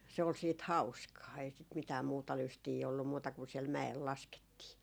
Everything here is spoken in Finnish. se oli sitten hauskaa ei sitä mitään muuta lystiä ollut muuta kuin siellä mäellä laskettiin